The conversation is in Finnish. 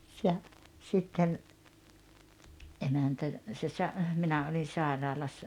ja sitten emäntä se - minä olin sairaalassa